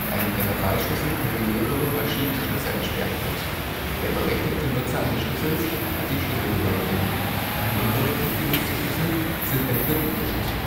einem Generalschlüssel können mehrere verschiedene Schlösser entsperrt werden. Der berechtigte Nutzer eines Schlüssels hat die Schlüsselgewalt inne. Unberechtigt genutzte Schlüssel sind entwidmete Schlüssel